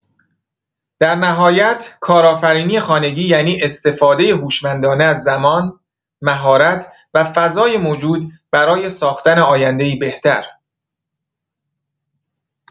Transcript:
در نهایت، کارآفرینی خانگی یعنی استفاده هوشمندانه از زمان، مهارت و فضای موجود برای ساختن آینده‌ای بهتر.